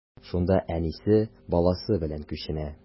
Шунда әнисе, баласы белән күченә.